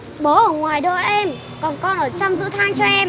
bố ở ngoài đỡ em còn con ở trong giữ thang cho em